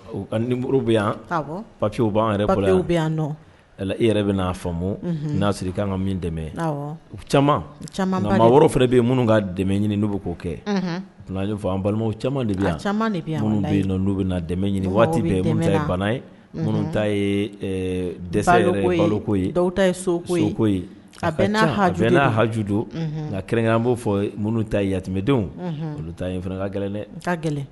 Bɛ yan papiye u b'an yɛrɛ bɛ yan e yɛrɛ bɛ n'a faamumu n'a siri ka' ka min dɛmɛ caman maa bɛ minnu dɛmɛ ɲini n'u bɛ'o kɛ balima caman de bɛ yan minnuu bɛ dɛ ɲini waati bɛ ye minnu ta ye dɛsɛ ye tako a n'a haj ka kɛrɛnkɛ an b' fɔ minnu ta yamɛdenw olu ta ka gɛlɛn gɛlɛn